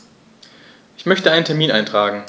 Ich möchte einen Termin eintragen.